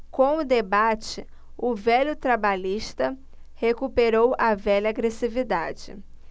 com o debate o velho trabalhista recuperou a velha agressividade